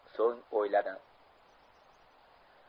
so'ng o'yladi